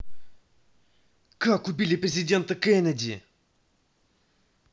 как убили президента кеннеди